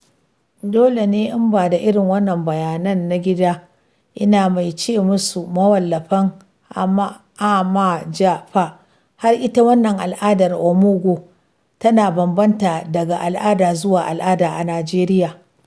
“Dole ne in ba da irin wannan bayanan na gida … Ina mai ce musu [mawallafan AWJP] har ita wannan al’adar omugwo tana bambanta daga al’ada zuwa al’ada a Najeriya.